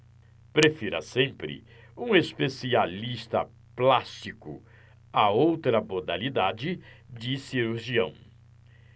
prefira sempre um especialista plástico a outra modalidade de cirurgião